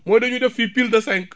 mooy dañuy def fii pile de cinq